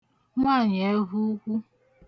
nwaànyị̀ẹvhụukwu